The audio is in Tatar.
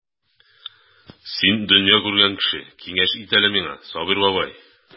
Син дөнья күргән кеше, киңәш ит әле миңа, Сабир бабай.